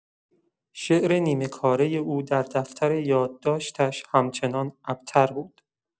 شعر نیمه‌کاره او در دفتر یادداشتش همچنان ابتر بود.